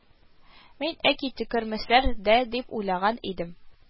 Мин, әки, төкермәсләр дә дип уйлаган идем